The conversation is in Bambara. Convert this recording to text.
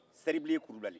sɛribilen kulubalyi